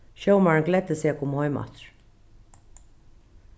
sjómaðurin gleddi seg at koma heim aftur